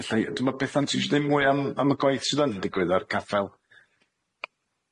Felly dwi'm yn Bethan ti isio deud mwy am am y gwaith sydd yn digwydd ar caffel?